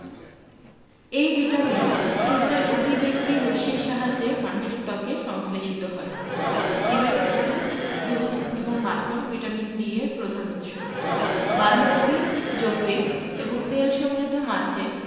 এই ভিটামিন সূর্যালোকের অতিবেগুনি রশ্মির সাহায্যে মানুষের ত্বকে সংশ্লেষিত হয় ডিমের কুসুম দুধ এবং মাখন ভিটামিন D এর প্রধান উৎস বাঁধাকপি যকৃৎ এবং তেল সমৃদ্ধ মাছে